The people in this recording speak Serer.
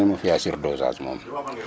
non neem o fi'aa surdosage moom .